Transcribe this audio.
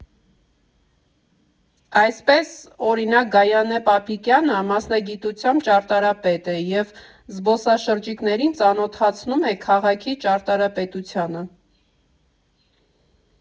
Այսպես, օրինակ, Գայանե Պապիկյանը մասնագիտությամբ ճարտարապետ է և զբոսաշրջիկներին ծանոթացնում է քաղաքի ճարտարապետությանը։